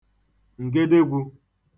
ǹgedegwū